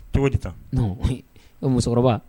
Cogo tɛ taa musokɔrɔba